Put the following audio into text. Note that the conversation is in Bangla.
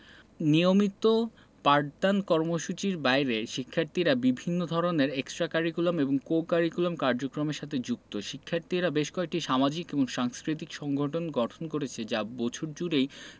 নিয়মিত পাঠদান কর্মসূচির বাইরে শিক্ষার্থীরা বিভিন্ন ধরনের এক্সটা কারিকুলাম এবং কো কারিকুলাম কার্যক্রমের সঙ্গে যুক্ত শিক্ষার্থীরা বেশ কয়েকটি সামাজিক এবং সাংস্কৃতিক সংগটন গঠন করেছে যা বছর জুড়েই